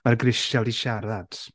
Mae'r grisial 'di siarad.